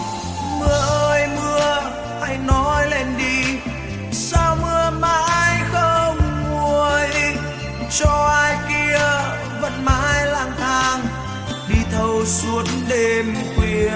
ơi mưa hãy nói lên đi sao mưa mãi không nguôi cho ai kia vẫn mai lang thang đi thâu suốt đêm khuya